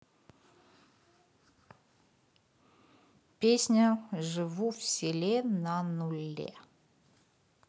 песня живу в селе на нуле